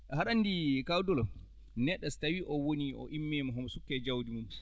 haɗa anndi kaw Doulo neɗɗo si tawii o woni o immiima homo sukke jawdi mum